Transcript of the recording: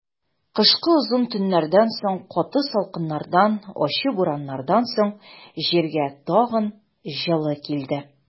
Кышкы озын төннәрдән соң, каты салкыннардан, ачы бураннардан соң җиргә тагын җылы килде.